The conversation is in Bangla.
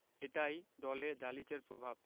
এটাই দলে দালিচের প্রভাব